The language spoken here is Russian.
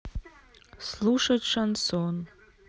слушать шансон